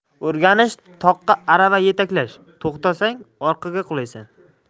o'rganish toqqa arava yetaklash to'xtasang orqaga qulaysan